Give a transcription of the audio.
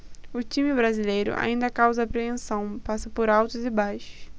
o time brasileiro ainda causa apreensão passa por altos e baixos